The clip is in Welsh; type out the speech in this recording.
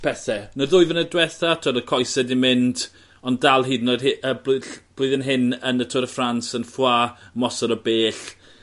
pethe. Yn y ddwy flynedd dwetha t'od y coese 'di mynt ond dal hyd yn oed he- y blwyll- blwyddyn hyn yn y Tour de France yn Foix mosod o bell.